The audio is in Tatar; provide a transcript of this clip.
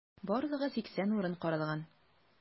Барлыгы 80 урын каралган.